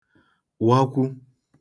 wakwu